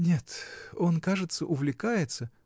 — Нет, он, кажется, увлекается.